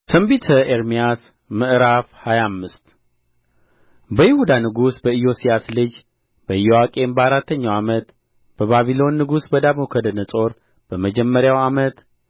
ትንቢተ ኤርምያስ ምዕራፍ ሃያ አምስት በይሁዳ ንጉሥ በኢዮስያስ ልጅ በኢዮአቄም በአራተኛው ዓመት በባቢሎን ንጉሥ በናቡከደነፆር በመጀመሪያው ዓመት